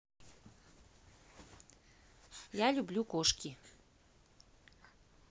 я люблю кошки